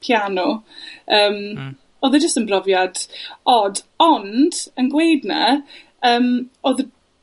piano, yym... Hmm. ...odd e jys yn brofiad od, ond yn gweud 'na ym